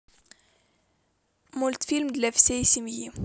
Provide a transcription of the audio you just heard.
мультфильм для всей семьи